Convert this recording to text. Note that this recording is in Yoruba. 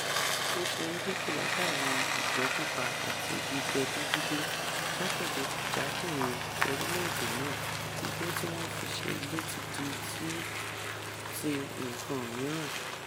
Bí igbó ṣe ń dínkù látàrí ìgbẹ́ pípa àti igi gẹdú gígé jákèjádò orílẹ̀ èdè náà, igbó tí wọ́n fi ṣe ilé ti di ti nǹkan mìíràn.